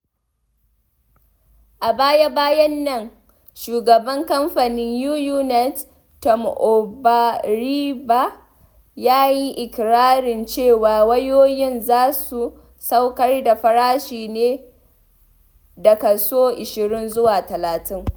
A baya-bayan nan Shugaban Kamfanin UUnet, Tom Omariba ya yi iƙirarin cewa, wayoyin za su saukar da farashi ne da kaso 20 zuwa 30.